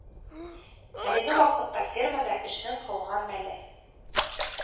Әлеге вакытта фермада эшнең кылган мәле